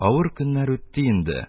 Авыр көннәр үтте инде...